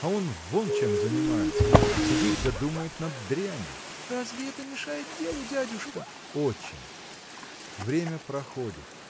а он вон чем занимается – сидит да думает над дрянью! – Разве это мешает делу, дядюшка? – Очень. Время проходит